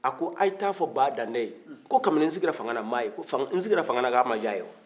a ko a ye taa fɔ ba dante ye ko kabini n sigira fangala n m'a ye n sigira fangala k'a ma diya ye wa